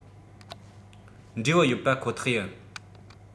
འབྲས བུ ཡོད པ ཁོ ཐག ཡིན